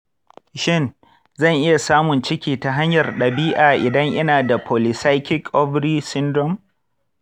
shin zan iya samun ciki ta hanyar dabi’a idan ina da polycystic ovary syndrome?